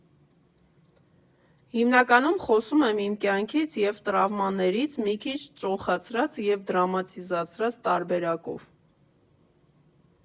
Հիմնականում խոսում եմ իմ կյանքից և տրավմաներից՝ մի քիչ ճոխացրած և դրամատիզացրած տարբերակով։